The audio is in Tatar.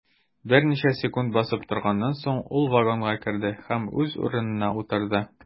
Берничә секунд басып торганнан соң, ул вагонга керде һәм үз урынына утырды.